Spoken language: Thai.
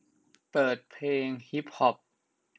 เปิดเพลงฮิปฮอป